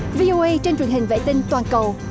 vi âu ây trên truyền hình vệ tinh toàn cầu